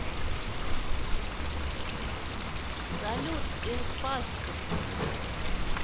салют inspace